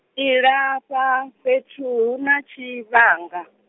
iḽa hafha fhethu hu na tshivhanga.